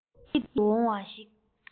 ཡིད དུ འོང བ ཞིག ཡིན